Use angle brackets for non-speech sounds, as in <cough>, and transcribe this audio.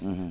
<hesitation> <hesitation>